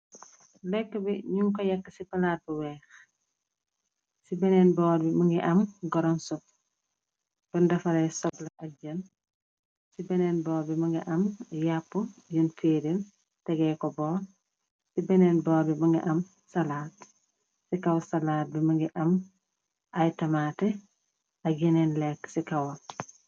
lekk bi ñuñ ko yekk ci palaat bu weex ci beneen boor bi mu nga am goronsup bun dafaray sobla ak jël ci beneen boor bi munga am yàpp yun fiiril tegee ko boor ci beneen boor bi munga am salaat ci kaww salaat bi mënga am ay tamaate ak yeneen lekk ci kawam